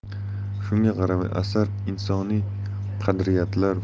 shunga qaramay asar insoniy qadriyatlar